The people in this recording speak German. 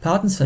Partons